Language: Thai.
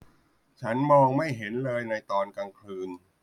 ฉันมองไม่เห็นเลยในตอนกลางคืน